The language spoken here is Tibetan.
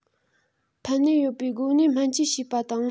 ཕན ནུས ཡོད པའི སྒོ ནས སྨན བཅོས བྱེད པ དང